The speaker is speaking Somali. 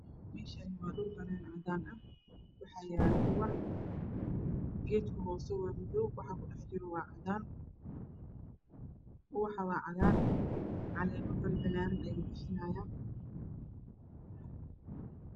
Meeshaani waa dhul banaan cadaan ah waxa yaalo ubax geedka hoose waxa ku dhax jiro waa cadaan ubaxa waa cagaar caleemo barbalaaran ayuu bixinayaa